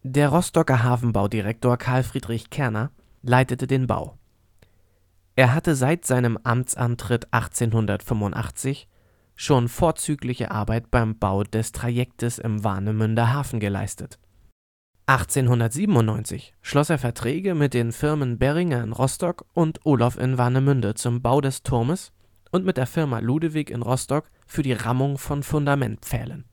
Der Rostocker Hafenbaudirektor Karl Friedrich Kerner leitete den Bau. Er hatte seit seinem Amtsantritt 1885 schon vorzügliche Arbeit beim Bau des Trajektes im Warnemünder Hafen geleistet. 1897 schloss er Verträge mit den Firmen Berringer in Rostock und Oloff in Warnemünde zum Bau des Turmes und mit der Firma Ludewig in Rostock für die Rammung von Fundamentpfählen